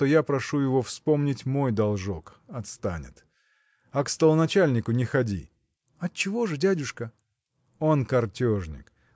что я прошу его вспомнить мой должок – отстанет! а к столоначальнику не ходи. – Отчего же, дядюшка? – Он картежник.